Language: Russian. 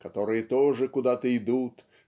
которые тоже куда-то идут